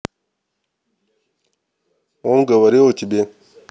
он говорил о тебе